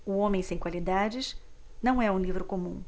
o homem sem qualidades não é um livro comum